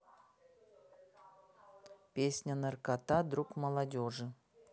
песня наркота друг молодежи